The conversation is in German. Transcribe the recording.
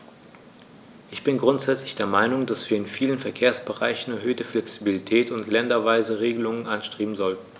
Ich bin grundsätzlich der Meinung, dass wir in vielen Verkehrsbereichen erhöhte Flexibilität und länderweise Regelungen anstreben sollten.